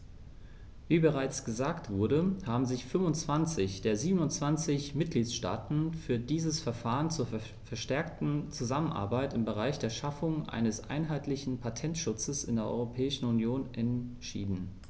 Wie bereits gesagt wurde, haben sich 25 der 27 Mitgliedstaaten für dieses Verfahren zur verstärkten Zusammenarbeit im Bereich der Schaffung eines einheitlichen Patentschutzes in der Europäischen Union entschieden.